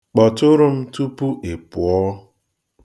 Kpọtụrụ m tupu ị pụọ.